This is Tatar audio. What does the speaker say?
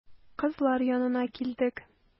Кызлар янына килдек.